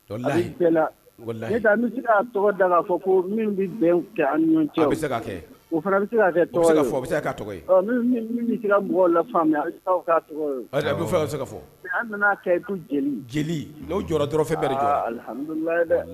Da min kɛ dɔrɔn